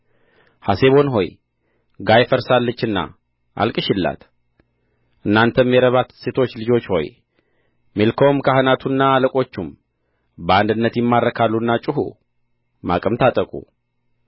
ሐሴቦን ሆይ ጋይ ፈርሳለችና አልቅሺላት እናንተም የረባት ሴቶች ልጆች ሆይ ሚልኮም ካህናቱና አለቆቹም በአንድነት ይማረካሉና ጩኹ ማቅም ታጠቁ